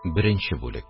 Беренче бүлек